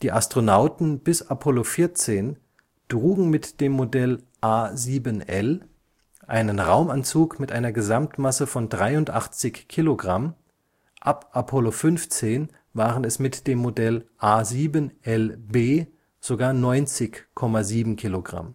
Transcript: Astronauten bis Apollo 14 trugen mit dem Modell A7L einen Raumanzug mit einer Gesamtmasse von 83 kg, ab Apollo 15 waren es mit dem Modell A7LB sogar 90,7 kg